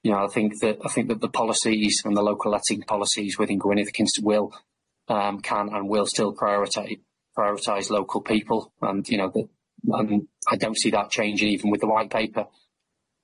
You know I think the I think that the policies and the local letting policies within Gwynedd kins- will yym can and will still priorite- prioritize local people and you know the m- and I don't see that changing even with the white paper.